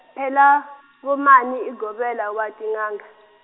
phela, Vhumani i govela wa tinanga.